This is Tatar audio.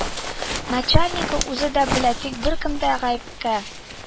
Начальнигы үзе дә белә, тик беркем дә гаепкә